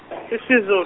isiZul-.